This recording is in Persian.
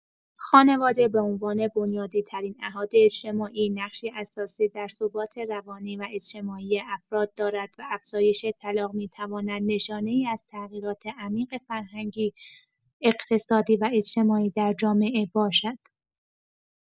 خانواده به‌عنوان بنیادی‌ترین نهاد اجتماعی، نقشی اساسی در ثبات روانی و اجتماعی افراد دارد و افزایش طلاق می‌تواند نشانه‌ای از تغییرات عمیق فرهنگی، اقتصادی و اجتماعی در جامعه باشد.